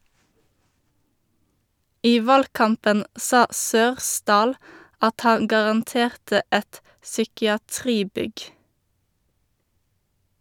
I valgkampen sa Sørsdahl at han garanterte et psykiatribygg.